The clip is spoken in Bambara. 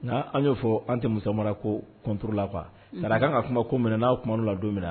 N'an y'o fɔ an tɛ Musa Mara ko contre la quoi parce que a ka kan ka kuma ko min na n'a kuma